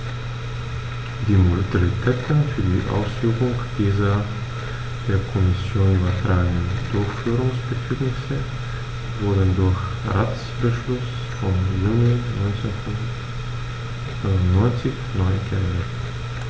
Die Modalitäten für die Ausübung dieser der Kommission übertragenen Durchführungsbefugnisse wurden durch Ratsbeschluss vom Juni 1999 neu geregelt.